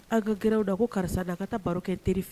Aw ka gɛrɛnw da ko karisa na an ka taa baro kɛ n teri fɛ